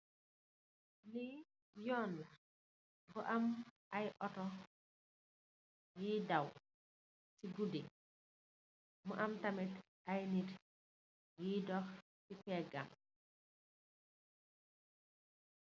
Lee yonn la bu am aye otu yee daw se goudi mu am tamin aye neete yuy doh se pegam.